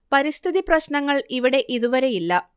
പരിസ്ഥിതി പ്രശ്നങ്ങൾ ഇവിടെ ഇതുവരെ ഇല്ല